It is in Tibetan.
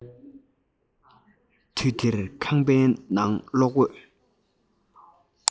དུས དེར ཁང པའི ནང གློག འོད